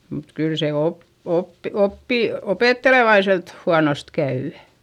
mutta kyllä se --- opettelevaiselta huonosti käy